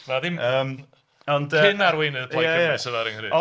Na ddim... cyn-arweinydd Plaid Cymru sydd ar fy nghrys.